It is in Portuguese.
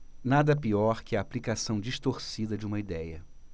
nada pior que a aplicação distorcida de uma idéia